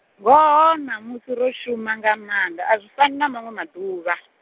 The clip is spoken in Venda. ngoho ṋamusi ro shuma nga manda a zwi fani na manwe maḓuvha.